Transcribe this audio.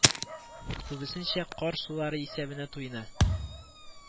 Күбесенчә кар сулары исәбенә туена